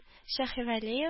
Шаһивәлиев